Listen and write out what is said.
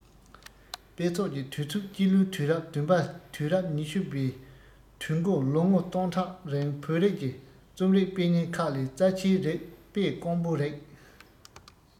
དཔེ ཚོགས ཀྱི དུས ཚོད སྤྱི ལོའི དུས རབས བདུན པ དུས རབས ཉི ཤུ བའི དུས མགོ ལོ ངོ སྟོང ཕྲག རིང བོད རིགས ཀྱི རྩོམ རིག དཔེ རྙིང ཁག ལས རྩ ཆེའི རིགས དཔེ དཀོན པོའི རིགས